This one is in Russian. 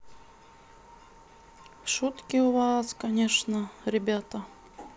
шутки у вас конечно ребята